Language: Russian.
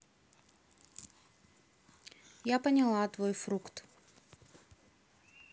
я поняла твой фрукт